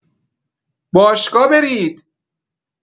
باشگا برید